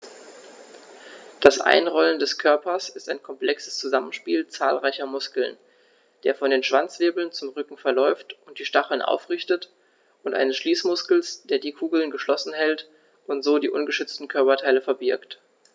Das Einrollen des Körpers ist ein komplexes Zusammenspiel zahlreicher Muskeln, der von den Schwanzwirbeln zum Rücken verläuft und die Stacheln aufrichtet, und eines Schließmuskels, der die Kugel geschlossen hält und so die ungeschützten Körperteile verbirgt.